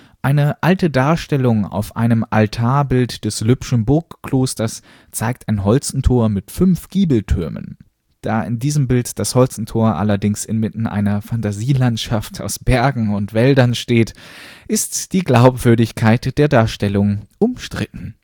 Eine alte Darstellung auf einem Altarbild des Lübschen Burgklosters zeigt ein Holstentor mit fünf Giebeltürmen; da in diesem Bild das Holstentor allerdings inmitten einer Phantasielandschaft aus Bergen und Wäldern steht, ist die Glaubwürdigkeit der Darstellung umstritten